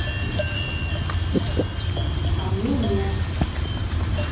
а мне нет